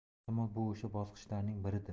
ehtimol bu o'sha bosqinchilarning biridir